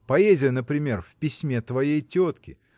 поэзия, например, в письме твоей тетки!